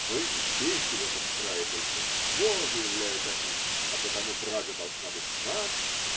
– Мы, чехи, в этом крае большинство, – заявляют они, – а потому Прага должна быть наша.